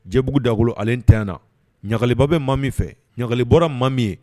Jɛbugu dakolo ale ti na ɲagaliba bɛ ma min fɛ ɲagali bɔra ma min ye